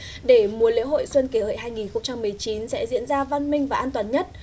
để mùa lễ hội xuân kỷ hợi hai nghìn không trăm mười chín sẽ diễn ra văn minh và an toàn nhất